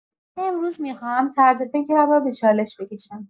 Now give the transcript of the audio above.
امروز می‌خواهم طرز فکرم را به چالش بکشم.